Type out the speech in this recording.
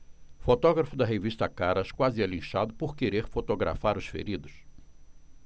fotógrafo da revista caras quase é linchado por querer fotografar os feridos